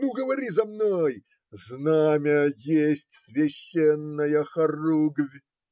Ну, говори за мной: знамя есть священная хоругвь.